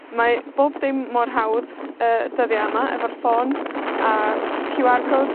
Mae bob dim mor hawdd y dyddia' yma efo'r ffôn a queue are codes